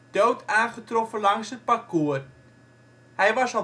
dood aangetroffen langs het parcours. Hij was